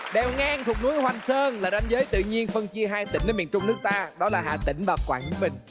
đèo ngang thuộc núi hoành sơn là ranh giới tự nhiên phân chia hai tỉnh ở miền trung nước ta đó là hà tĩnh và quảng bình